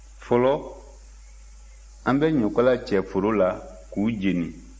fɔlɔ an bɛ ɲɔkala cɛ foro la k'u jeni